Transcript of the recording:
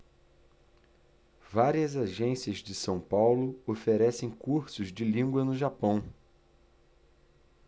várias agências de são paulo oferecem cursos de língua no japão